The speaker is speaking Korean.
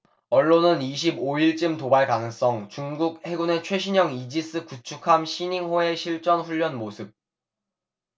언론은 이십 오 일쯤 도발 가능성중국 해군의 최신형 이지스 구축함 시닝호의 실전훈련 모습